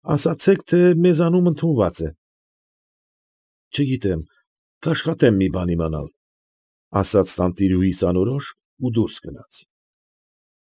Ասացեք, թե մեզանում ընդունված է։ ֊ Չգիտեմ, կաշխատեմ մի բան իմանալ,֊ասաց տանտիրուհիս անորոշ ու դուրս գնաց։